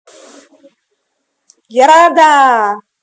я рада